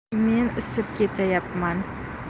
men isib ketayapman